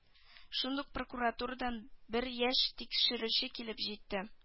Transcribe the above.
Шундук прокуратурадан бер яшь тикшерүче килеп җитте